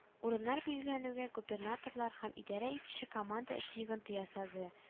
Урыннар билгеләнүгә губернаторлар һәм идарә итүче команда эш йогынты ясады